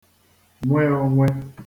nwe onwe